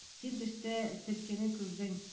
Син төштә төлкене күрдең.